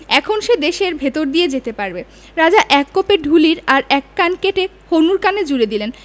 এখন সে দেশের ভিতর দিয়ে যেতে পারবে রাজা এক কোপে ঢুলির আর এক কান কেটে হনুর কানে জুড়ে দিলেন